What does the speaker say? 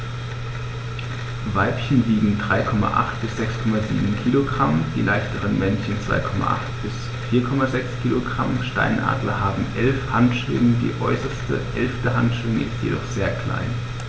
Weibchen wiegen 3,8 bis 6,7 kg, die leichteren Männchen 2,8 bis 4,6 kg. Steinadler haben 11 Handschwingen, die äußerste (11.) Handschwinge ist jedoch sehr klein.